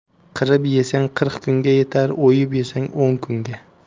qirib yesang qirq kunga yetar o'yib yesang o'n kunga